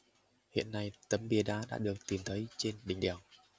hiện nay tấm bia đá đã được tìm thấy trên đỉnh đèo